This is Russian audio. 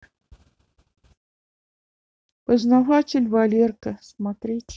познаватель валерка смотреть